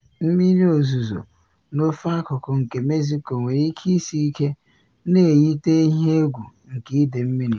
Mmiri ozizo n’ofe akụkụ nke Mexico nwere ike isi ike, na eyite ihe egwu nke ide mmiri.